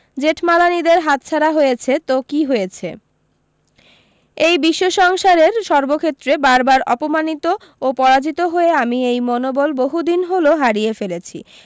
জেঠমালানিদের হাতছাড়া হয়েছে তো কী হয়েছে এই বিশ্ব সংসারের সর্বক্ষেত্রে বার বার অপমানিত ও পরাজিত হয়ে আমি এই মনোবল বহুদিন হলো হারিয়ে ফেলেছি